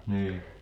niin